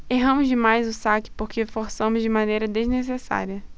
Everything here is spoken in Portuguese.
erramos demais o saque porque forçamos de maneira desnecessária